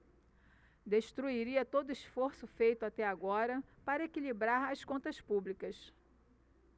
destruiria todo esforço feito até agora para equilibrar as contas públicas